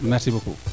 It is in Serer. merci beucpoup